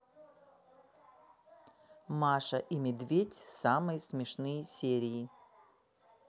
маша и медведь самые смешные серии